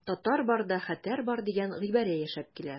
Татар барда хәтәр бар дигән гыйбарә яшәп килә.